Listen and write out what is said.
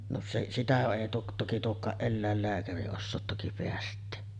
no se sitä ei - toki tuokaan eläinlääkäri osaa toki päästää